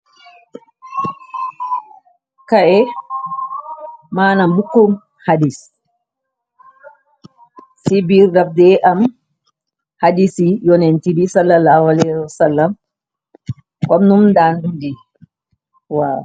Kaye maanam bukkum xadis ci biir daafdee am hadis ci yoneenti bi sallal lahu alaihie wa salam komnum daandun dee waw.